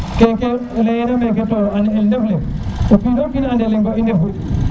keke leya nune ke kina war na an refe o kiko kina ande lengo i ndefu